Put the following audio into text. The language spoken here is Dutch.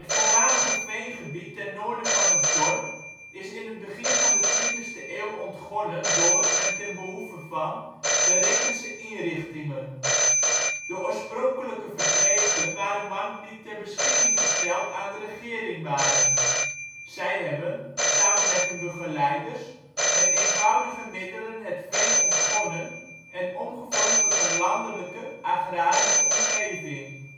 voormalig veengebied ten noorden van het dorp is in het begin van de twintigste eeuw ontgonnen door en ten behoeve van de Rekkense Inrichtingen. De oorspronkelijke verpleegden waren mannen die ter beschikking gesteld aan de regering waren. Zij hebben, samen met hun begeleiders, met eenvoudige middelen het veen ontgonnen en omgevormd tot een landelijke, agrarische omgeving